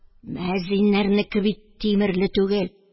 Мөәззиннәрнеке бит тимерле түгел...